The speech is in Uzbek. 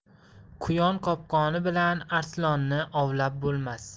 quyon qopqoni bilan arslonni ovlab bo'lmas